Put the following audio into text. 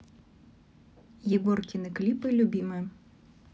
егоркины клипы любимые